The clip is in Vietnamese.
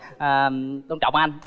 à tôn trọng anh